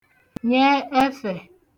nye ẹfẹ̀